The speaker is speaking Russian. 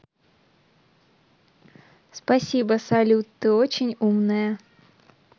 спасибо салют ты очень умная